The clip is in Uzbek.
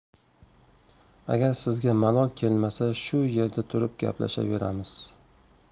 agar sizga malol kelmasa shu yerda turib gaplashaveramiz